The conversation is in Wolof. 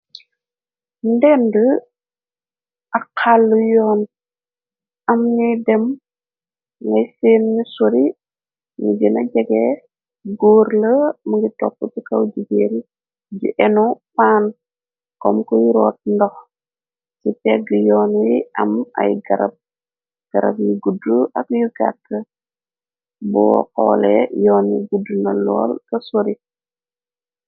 Ndend ak xallu yoon am ñuy dem ngay seen ni suri ni gina jege góur la mngi topp ci kaw jigéeri ji enu paan kom kuy root ndox ci pegg yoon yi am ay garab yi gudr ak yu gàkt bu xoole yoon yi guddna lool ka sori.